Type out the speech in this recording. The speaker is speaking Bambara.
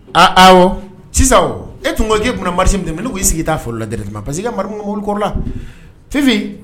Aaa sisan e tun ka'i kun mari minɛ y'i sigi taa foro la dɛrɛti ma parce que ka mariri morikɔrɔ la tefin